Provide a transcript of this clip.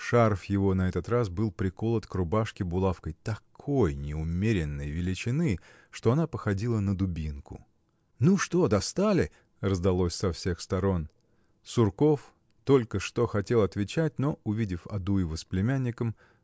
шарф его на этот раз был приколот к рубашке булавкой такой неумеренной величины что она походила на дубинку. – Ну что, достали? – раздалось со всех сторон. Сурков только что хотел отвечать но увидев Адуева с племянником